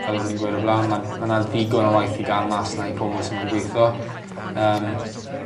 fel o'n i'n gweud o bla'n ma' ma' 'na ddigon o waith i ga'l mas 'na i pobol sy moyn gweitho yym.